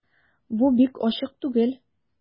Бу бик ачык түгел...